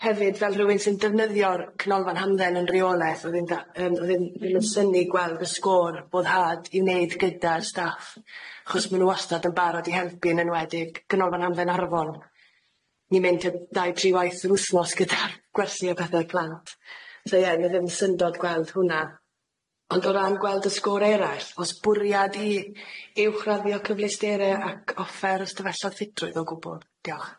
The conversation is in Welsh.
Hefyd fel rhywun sy'n defnyddio'r canolfan hamdden yn reoleth o'dd e'n da- yym o'dd e'n ddim yn synnu gweld y sgôr boddhad i wneud gyda'r staff achos ma' n'w wastad yn barod i helpu yn enwedig canolfan hamdden Arfon ni'n mynd yy ddau tri waith yr wthnos gyda'r gwersi a pethe plant so ie 'ny ddim yn syndod gweld hwnna ond o ran gweld y sgôr eraill o's bwriad i uwchraddio cyfleusterau ac offer ystafelloedd ffitrwydd o gwbwl diolch.